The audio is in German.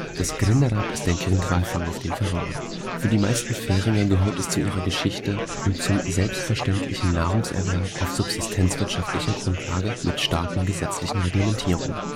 Das Grindadráp ist der Grindwalfang auf den Färöern. Für die meisten Färinger gehört es zu ihrer Geschichte und zum selbstverständlichen Nahrungserwerb auf subsistenzwirtschaftlicher Grundlage mit starken gesetzlichen Reglementierungen